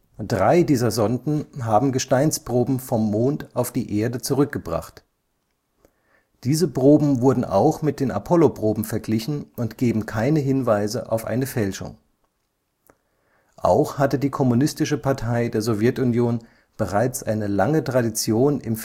Drei dieser Sonden haben Gesteinsproben vom Mond auf die Erde zurückgebracht. Diese Proben wurden auch mit den Apollo-Proben verglichen und geben keine Hinweise auf eine Fälschung. Auch hatte die Kommunistische Partei der Sowjetunion bereits eine lange Tradition im